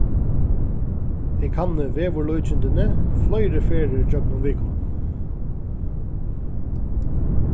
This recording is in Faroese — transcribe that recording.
eg kanni veðurlíkindini fleiri ferðir gjøgnum vikuna